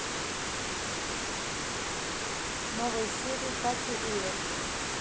новые серии катя и эф